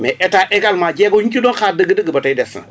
mais état également jéego yi ñu ci doon xaar dëgg-dëgg ba tey des na